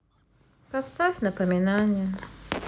поставь напоминание